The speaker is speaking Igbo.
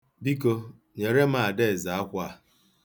Biko, nyere m Adaeze akwa a.